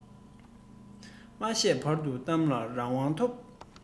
མ བཤད བར དུ གཏམ ལ རང དབང ཐོབ